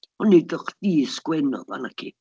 Ond nid chdi sgwennodd o naci.